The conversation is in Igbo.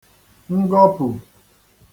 ngọpù